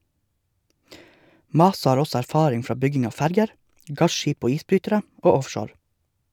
Masa har også erfaring fra bygging av ferger, gasskip og isbrytere og offshore.